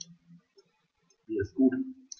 Mir ist gut.